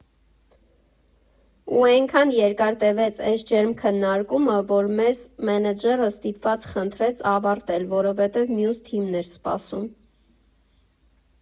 Ու էնքան երկար տևեց էս ջերմ քննարկումը, որ մեզ մենեջերը ստիպված խնդրեց ավարտել, որովհետև մյուս թիմն էր սպասում։